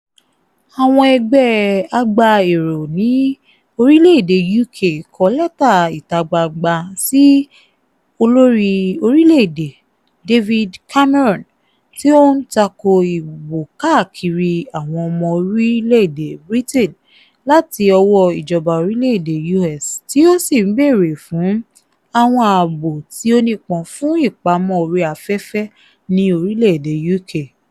Àwọn ẹgbẹ́ agbaèrò ní orílẹ̀ èdè UK kọ lẹ́tà ìta gbangba sí Olórí Orílẹ̀ èdè David Cameron, tí ó ń tako ìwò káàkiri àwọn ọmọ orílẹ̀ èdè Britain láti ọwọ́ ìjọba orílẹ̀ èdè US tí ó sì ń bèèrè fún àwọn ààbò tí ó nípọn fún ìpamọ́ orí afẹ́fẹ́ ní orílẹ̀ èdè UK.